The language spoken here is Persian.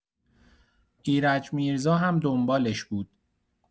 ایرج میرزا هم دنبالش بود.